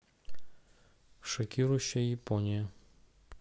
шокирующая япония